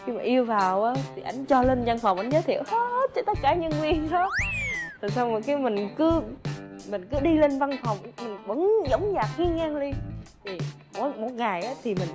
khi mà yêu vào thì anh cho lên văn phòng anh giới thiệu hết cho tất cả nhân viên đó rồi sau khi mình cứ mình cứ đi lên văn phòng thì mình quấn giống ở nhà liêng rồi một ngày á thì mình